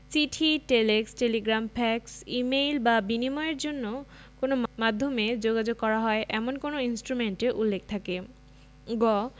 চিঠি telex telegram fax ই সেইল বা বিনিময়ের জন্য কোন মাধ্যমে যোগাযোগ করা হয় এমন কোন ইনষ্ট্রুমেন্টে উল্লেখ থাকে গ